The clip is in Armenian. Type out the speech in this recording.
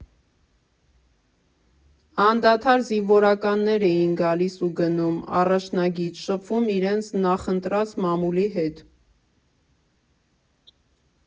Անդադար զինվորականներ էին գալիս ու գնում առաջնագիծ, շփվում իրենց նախընտրած մամուլի հետ։